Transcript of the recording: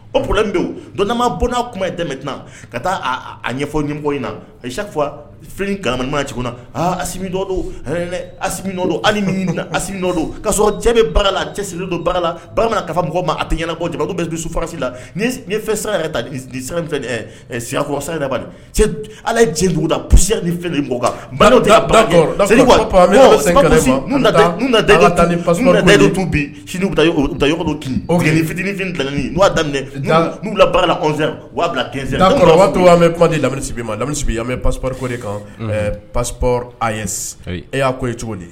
Olen donma bɔn n kuma ye tɛmɛ ka taa ɲɛfɔ nimɔgɔ in na a ye sa fi kalanya ci aa asi don don hali ɲinisido ka cɛ bɛbaga la a cɛ seli donbaga la bamanan ka fɔ mɔgɔw ma a tɛ ɲɛnabɔ cɛ ko bɛ bisimila sufasi la ye fɛn sara sifɔ sa yɛrɛ bali ala dugudasiya fɛn kan ba da ni tun ni fitinifin n'u'a daminɛu bilabaga laa laminibi laminimɛpɔri kan pasp a ye e y'a ko ye cogo di